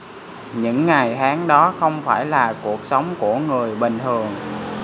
những ngày tháng đó không phải là cuộc sống của người bình thường